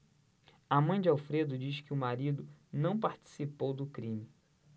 a mãe de alfredo diz que o marido não participou do crime